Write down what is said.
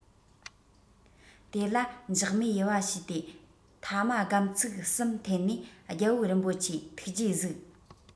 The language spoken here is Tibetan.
དེ ལ འཇག མས ཡུ བ བྱས ཏེ ཐ མ སྒམ ཙིག གསུམ འཐེན ནས རྒྱལ པོ རིན པོ ཆེ ཐུགས རྗེས གཟིགས